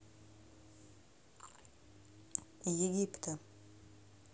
египта